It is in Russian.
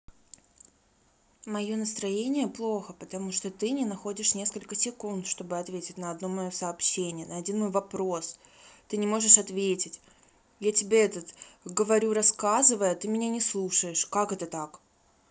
мое настроение плохо потому что ты не находишь несколько секунд чтобы ответить на одно мое сообщение на один мой вопрос ты не можешь ответить я тебе этот говорю рассказывай а ты меня не слушаешь как это так